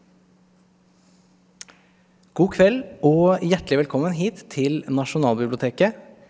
god kveld og hjertelig velkommen hit til Nasjonalbiblioteket.